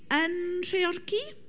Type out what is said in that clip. Yn Nhreorci?